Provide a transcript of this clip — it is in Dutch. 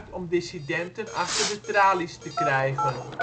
om dissidenten achter de tralies te krijgen